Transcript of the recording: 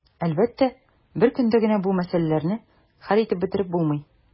Әлбәттә, бер көндә генә бу мәсьәләләрне хәл итеп бетереп булмый.